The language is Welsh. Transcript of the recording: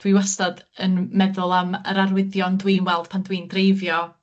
Dwi wastad yn meddwl am yr arwyddion dwi'n weld pan dwi'n dreifio.